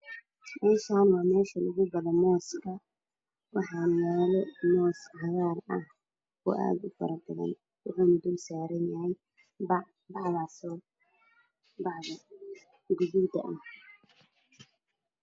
Meshaan waa meesha lagu gado mooska waxaa yaalo moos cagaar ah oo aad ufara badan wuxuu dul saaran yahay bac gaduuda ah